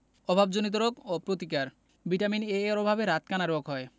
অভাবজনিত রোগ ও প্রতিকার ভিটামিন A এর অভাবে রাতকানা রোগ হয়